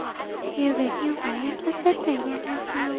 nhiều việc như vậy em sắp xếp thời gian ra sao